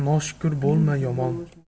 noshukur bo'lma yomon